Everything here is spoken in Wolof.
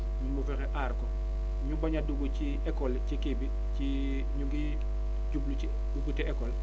mu fexe aar ko ñu bañ a dugg ci école yi ci kii bi ci ñu ngi jublu ci ubbite école